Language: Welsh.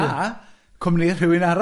A, cwmni rhywun arall.